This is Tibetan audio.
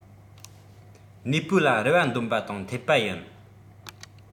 གནས སྤོས ལ རེ བ འདོན པ དང འཐད པ ཡིན